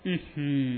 Un